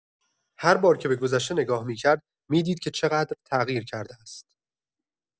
هر بار که به گذشته نگاه می‌کرد، می‌دید که چقدر تغییر کرده است.